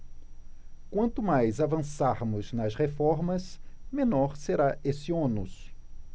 quanto mais avançarmos nas reformas menor será esse ônus